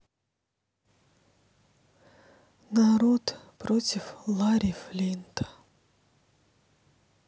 народ против ларри флинта